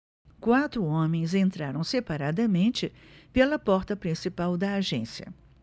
quatro homens entraram separadamente pela porta principal da agência